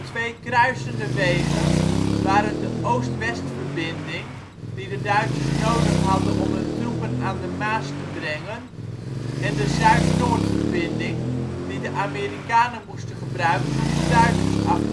twee kruisende wegen waren de oost-westverbinding, die de Duitsers nodig hadden om hun troepen aan de Maas te brengen, en de zuid-noordverbinding, die de Amerikanen moesten gebruiken om de Duitsers af